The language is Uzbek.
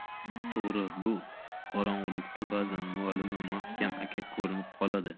to'g'ri bu qorong'ulikda ba'zan muallimi maxkam aka ko'rinib qoladi